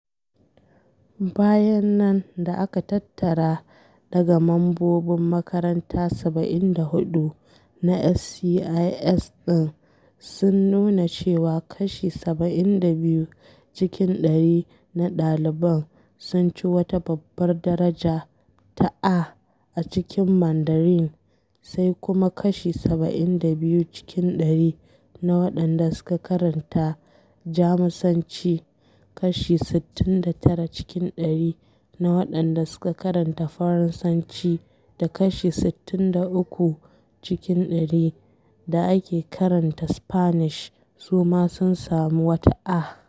Bayanan, da aka tattara daga mambobin makaranta 74 na SCIS ɗin, sun nuna cewa kashi 72 cikin ɗari na ɗaliban sun ci wata Babbar daraja ta A a cikin Mandarin, sai kuma kashi 72 cikin ɗari na waɗanda suka karanta Jamusanci, kashi 69 cikin ɗari na waɗanda suka karanta Farasanci da kashi 63 cikin ɗari da ke karanta Spanish su ma sun sami wata A.